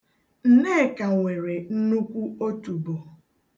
Nneka nwere nnukwu otubo.